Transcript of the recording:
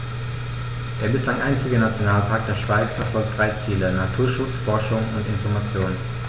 Der bislang einzige Nationalpark der Schweiz verfolgt drei Ziele: Naturschutz, Forschung und Information.